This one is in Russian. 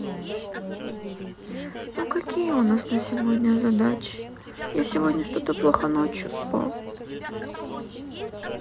ну какие у нас на сегодня задачи я сегодня что то плохо ночью спал